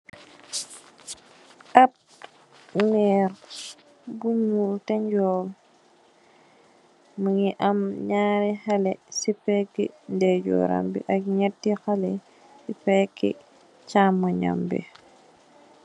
Am meer bu ñuul te njol mugii am ñaari xalèh ci pegi ndayjoor ram bi ak ñénti xalèh ci pegi caaymoy bi.